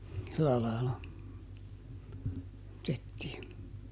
sillä lailla -